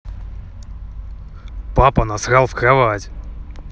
папа насрал в кровать